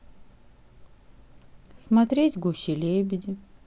смотреть гуси лебеди